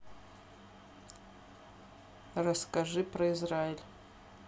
расскажи про израиль